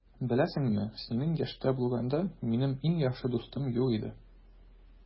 Беләсеңме, синең яшьтә булганда, минем иң яхшы дустым юк иде.